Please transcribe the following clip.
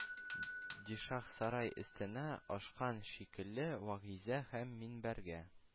Дишаһ сарай өстенә ашкан шикелле, вагыйзә һәм минбәргә